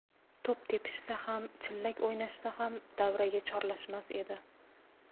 to'p tepishsa ham chillak o'ynashsa ham davraga chorlashmas edi